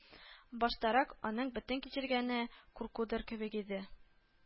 Баштарак аның бөтен кичергәне куркудыр кебек иде